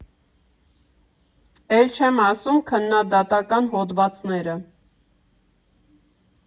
Էլ չեմ ասում քննադատական հոդվածները։